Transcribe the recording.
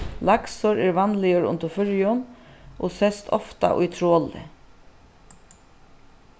laksur er vanligur undir føroyum og sæst ofta í troli